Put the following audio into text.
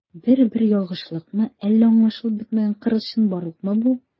Бер-бер ялгышлыкмы, әллә аңлашылып бетмәгән кырыс чынбарлыкмы бу?